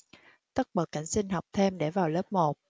tất bật cảnh xin học thêm để vào lớp một